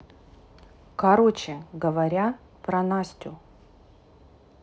короче говоря про настю